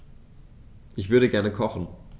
Ich würde gerne kochen.